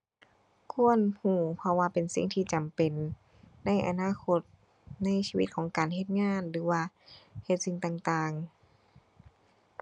ควรรู้ เพราะว่าเป็นสิ่งที่จำเป็นในอนาคต ในชีวิตของการเฮ็ดงานหรือว่าเฮ็ดสิ่งต่างต่าง